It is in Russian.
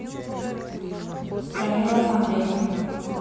стромилов андрей